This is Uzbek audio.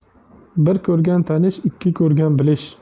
bir ko'rgan tanish ikki ko'rgan bilish